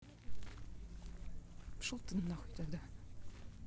пошел ты нахуй тогда